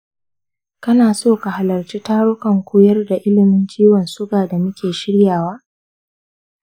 kana so ka halarci tarukan koyar da ilimin ciwon suga da muke shiryawa?